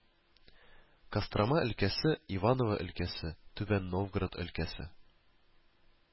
Кострома өлкәсе, Иваново өлкәсе, Түбән Новгород өлкәсе